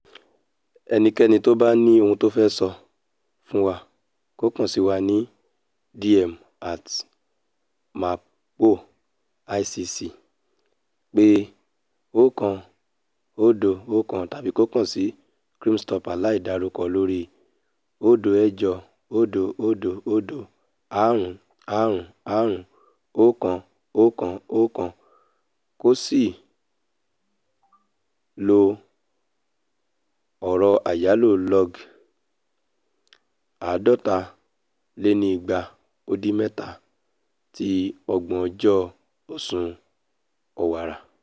Ẹnikẹ́ni tí ó bá ní ohun tó fẹ́ sọ fún wà kó kàn sí wà ni DM @MerPoICC, pe 101 tàbí kàn sí Crimestoppers láìdárúkọ lórí 08000 555 111 kí ó sì ́lo ọ̀rọ̀ àyọlò log 247 ti Ọgbọ́njọ́ọ́ Oṣù Ọwara.